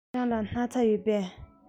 ཁྱེད རང ལ སྣག ཚ ཡོད པས